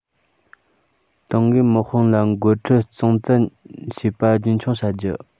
ཏང གིས དམག དཔུང ལ འགོ ཁྲིད གཙང བཙན བྱེད པ རྒྱུན འཁྱོངས བྱ རྒྱུ